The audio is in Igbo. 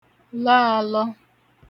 lọ ālọ̄